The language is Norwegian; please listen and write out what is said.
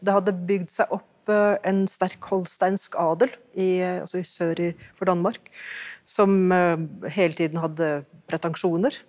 det hadde bygd seg opp en sterk holsteinsk adel i altså sør i for Danmark som hele tiden hadde pretensjoner.